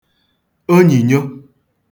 onyìnyo